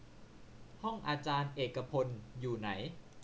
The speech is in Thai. ห้องอาจารย์เอกพลอยู่ไหน